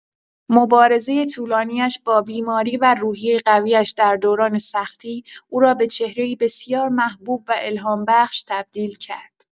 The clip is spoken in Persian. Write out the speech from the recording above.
مبارزه طولانی‌اش با بیماری و روحیه قوی‌اش در دوران سختی، او را به چهره‌ای بسیار محبوب و الهام‌بخش تبدیل کرد.